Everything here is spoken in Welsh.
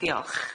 Diolch.